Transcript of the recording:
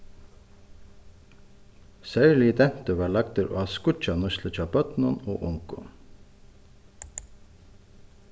serligur dentur varð lagdur á skíggjanýtslu hjá børnum og ungum